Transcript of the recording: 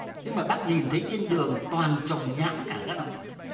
thế mà bác nhìn thấy trên đường toàn trồng nhãn cả các đồng chí